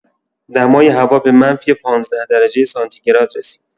دمای هوا به منفی پانزده درجه سانتیگراد رسید.